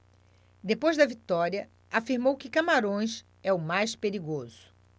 depois da vitória afirmou que camarões é o mais perigoso